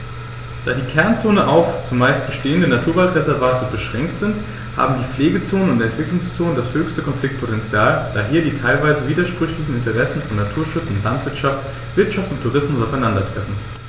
Da die Kernzonen auf – zumeist bestehende – Naturwaldreservate beschränkt sind, haben die Pflegezonen und Entwicklungszonen das höchste Konfliktpotential, da hier die teilweise widersprüchlichen Interessen von Naturschutz und Landwirtschaft, Wirtschaft und Tourismus aufeinandertreffen.